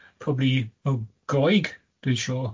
probably o Groeg, dwi'n siŵr.